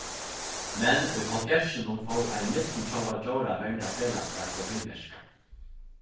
men í hálvfjerðsunum fór ein millumtjóða djóraverndarfelagsskapur til verka